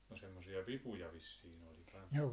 no semmoisia vipuja vissiin oli kanssa